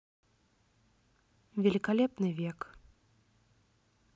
великолепный век